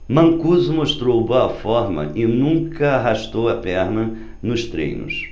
mancuso mostrou boa forma e nunca arrastou a perna nos treinos